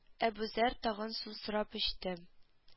Әбүзәр тагын су сорап эчте